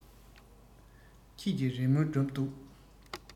ཁྱེད ཀྱི རེ སྨོན སྒྲུབ འདུག